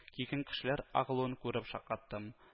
Кигән кешеләр агылуын күреп шаккаттым